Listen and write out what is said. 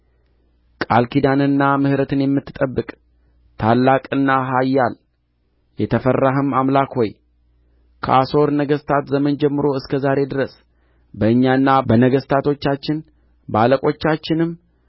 ኪዳንንና ምሕረትን የምትጠብቅ ታላቅና ኃያል የተፈራኸውም አምላክ ሆይ ከአሦር ነገሥታት ዘመን ጀምሮ እስከ ዛሬ ድረስ በእኛና በነገሥታቶቻችን በአለቆቻችንም